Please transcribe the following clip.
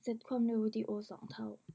เซ็ตความเร็ววีดีโอสองเท่า